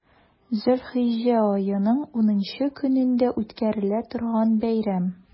Зөлхиҗҗә аеның унынчы көнендә үткәрелә торган бәйрәм.